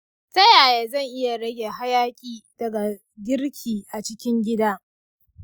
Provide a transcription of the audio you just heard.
ta yaya zan iya rage hayaƙi daga girki a cikin gida?